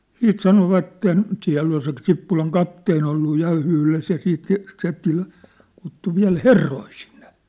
sitten sanoivat siellä oli se Sippulan kapteeni ollut ja yhdessä ja sitten se se - kutsui vielä herroja sinne